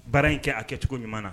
Baara in kɛ a kɛcogoɲuman na.